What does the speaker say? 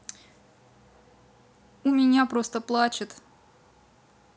у меня просто плачет